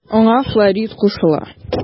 Аңа Флорид кушыла.